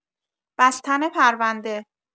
بستن پرونده